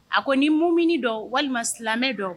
A ko ni munum dɔn walima silamɛmɛ dɔn